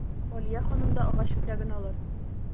Алия ханым да агач көрәген алыр.